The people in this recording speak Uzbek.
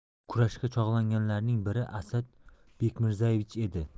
kurashga chog'langanlarning biri asad bekmirzaevich edi